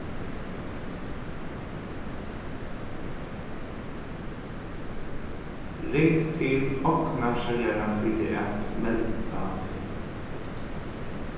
ring til ognarseljaran fyri at melda teg